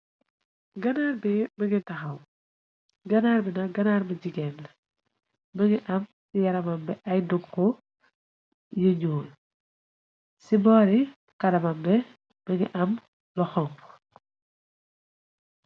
Ganaar bi mingi taxaw, ganaar bi nak ganaar bi jigéen la, mingi am si yaramam bi ay dunxu nyu nyuul, ci boori kanamam bi mongi am lu xonxu.